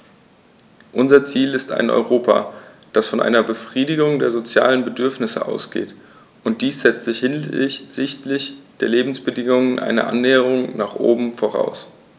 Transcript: Unser Ziel ist ein Europa, das von einer Befriedigung der sozialen Bedürfnisse ausgeht, und dies setzt hinsichtlich der Lebensbedingungen eine Annäherung nach oben voraus.